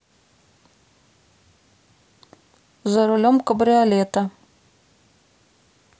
за рулем кабриолета